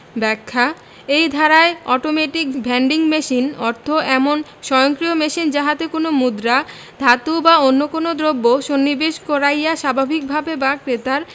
ব্যাখ্যাঃ এই ধারায় অটোমেটিক ভেন্ডিং মেশিন অর্থ এমন স্বয়ংক্রিয় মেশিন যাহাতে কোন মুদ্রা ধাতু বা অন্য কোন দ্রব্য সন্নিবেশ করাইয়া স্বাভাবিকভাবে বা ক্রেতার